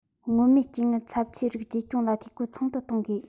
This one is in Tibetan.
མངོན མེད རྐྱེན ངན ཚབས ཆེ རིགས བཅོས སྐྱོང ལ འཐུས སྒོ ཚང དུ གཏོང དགོས